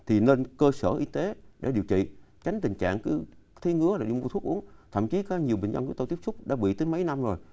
thì lên cơ sở y tế để điều trị tránh tình trạng cứ thấy ngứa là đi mua thuốc uống thậm chí có nhiều bệnh nhân mà tôi tiếp xúc đã bị tới mấy năm rồi